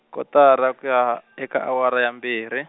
kotara ku ya, eka awara ya mbirhi.